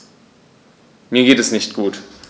Mir geht es nicht gut.